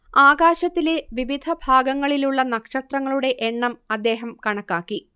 ആകാശത്തിലെ വിവിധ ഭാഗങ്ങളിലുള്ള നക്ഷത്രങ്ങളുടെ എണ്ണം അദ്ദേഹം കണക്കാക്കി